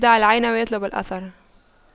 يدع العين ويطلب الأثر